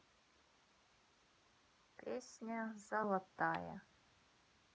песня золотая